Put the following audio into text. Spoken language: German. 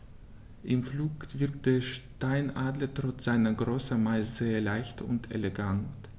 Im Flug wirkt der Steinadler trotz seiner Größe meist sehr leicht und elegant.